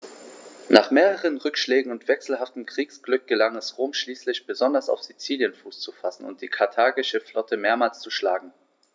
Nach mehreren Rückschlägen und wechselhaftem Kriegsglück gelang es Rom schließlich, besonders auf Sizilien Fuß zu fassen und die karthagische Flotte mehrmals zu schlagen.